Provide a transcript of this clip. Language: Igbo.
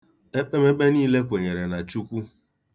Ekpemekpe niile kwenyere na Chukwu.